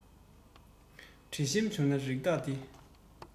དྲི ཞིམ འབྱུང ན རི དྭགས ཀྱི